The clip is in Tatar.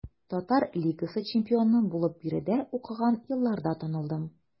Татар лигасы чемпионы булып биредә укыган елларда танылдым.